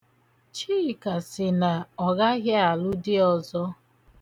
Chika sị na ọ gaghị alụ di ọzọ.